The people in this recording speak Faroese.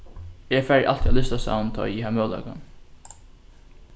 eg fari altíð á listasavn tá ið eg havi møguleikan